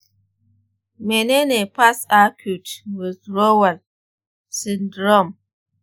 mene ne post-acute withdrawal syndrome?